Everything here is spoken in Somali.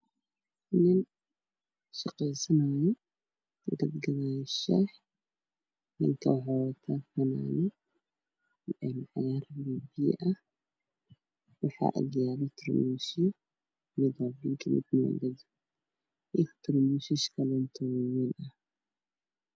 Nin shaqeysanayo oo gadaayo shaax waxuu wataa fanaanad cagaar ah waxaa agyaalo tarmuusyo.